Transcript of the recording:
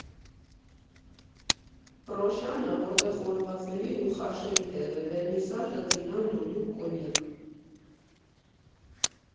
Պռոշյանը, որտեղ խորովածների ու խաշերի տեղ է, Վերնիսաժը՝ ծիրան, դուդուկ, կոնյակ…